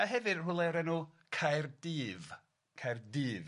a hefyd rhywle o'r enw Caerdyf Caerdyf... Dy- ocê.